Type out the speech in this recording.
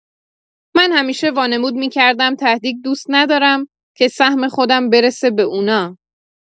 من همیشه وانمود می‌کردم ته‌دیگ دوست ندارم، که سهم خودم برسه به اونا.